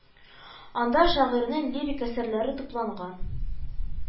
Анда шагыйрьнең лирик әсәрләре тупланган